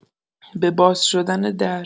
به باز شدن در